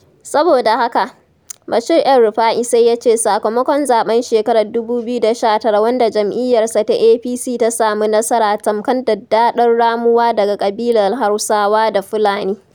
Saboda haka, Bashir El-Rufai sai ya ce sakamakon zaɓen shekarar 2019 wanda jam'iyyarsa ta APC ta samu nasara tamkar daddaɗar "ramuwa" daga ƙabilar Hausawa da Fulani.